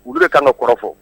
Olu de bɛ kan kɔrɔfɔ fɔ